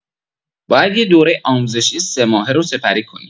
باید یه دوره آموزشی سه‌ماهه رو سپری کنی.